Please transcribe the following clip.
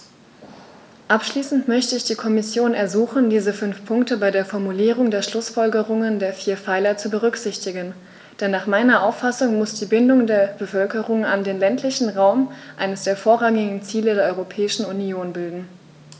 Abschließend möchte ich die Kommission ersuchen, diese fünf Punkte bei der Formulierung der Schlußfolgerungen der vier Pfeiler zu berücksichtigen, denn nach meiner Auffassung muss die Bindung der Bevölkerung an den ländlichen Raum eines der vorrangigen Ziele der Europäischen Union bilden.